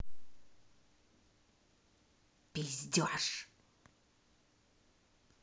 пиздешь